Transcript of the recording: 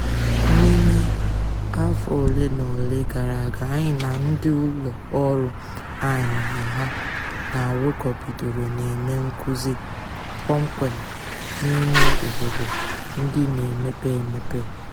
N'ime afọ olenaola gara aga, anyị na ndị ụlọ ọrụ anyị na ha na-arụkọ bidoro na-eme nkụzi, kpọmkwem n'ime obodo ndị na-emepe emepe.